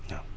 waaw